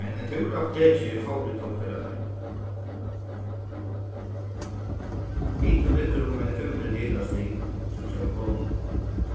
men ein túr á apotekið fór eg tó fyrradagin hitin liggur um eini fimmogtretivu hitastig síggi eg á telefonini